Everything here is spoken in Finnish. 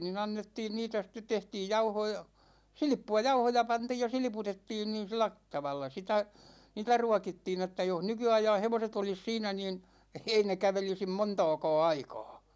niin annettiin niitä sitten tehtiin jauhoa ja silppua jauhoja pantiin ja silputettiin niin sillä - tavalla sitä niitä ruokittiin että jos nykyajan hevoset olisi siinä niin ei ne kävelisi montaakaan aikaa